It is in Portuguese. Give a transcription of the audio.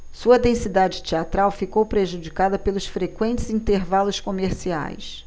sua densidade teatral ficou prejudicada pelos frequentes intervalos comerciais